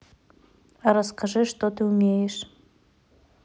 а расскажи что ты умеешь